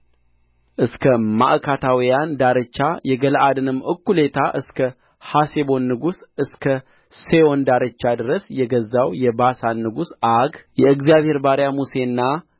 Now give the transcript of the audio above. እስከ ማዕካታውያን ዳርቻ የገለዓድንም እኩሌታ እስከ ሐሴቦን ንጉሥ እስከ ሴዎን ዳርቻ ድረስ የገዛው የባሳን ንጉሥ ዐግ የእግዚአብሔር ባሪያ ሙሴና